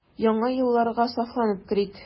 Яңа елларга сафланып керик.